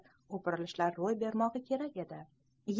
o'pirilishlar ro'y bermog'i kerak edi